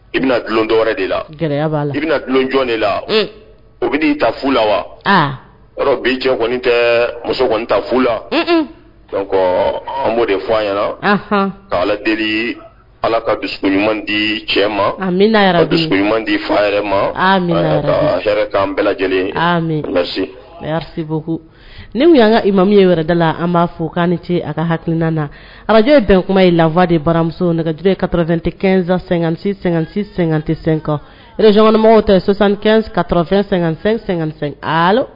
I bɛna dulon dɔw wɛrɛ de la gɛrɛ b'a la i bɛna dulonj de la o bɛ'i ta futa la wa bi cɛ kɔniɔni tɛ muso kɔni ta futa la an b' de fɔ an yɛrɛ k' ala deli ala ka dusu ɲuman di cɛ ma dusu ɲuman di yɛrɛ maan bɛɛ lajɛlen niyan ka ilima min ye yɛrɛ da la an b'a fɔ k' ni ce a ka hakiina na araj bɛn kuma ye lafa de baramuso nɛgɛj ka tfɛn tɛɛnsan- tɛ sen kanma tɛsan kafɛn